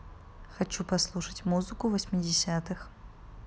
хочу послушать музыку восьмидесятых